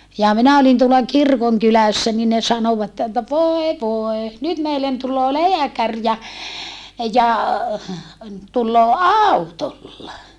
ja minä olin tuolla kirkonkylässä niin ne sanoivat että voi voi nyt meille tulee lääkäri ja ja tulee autolla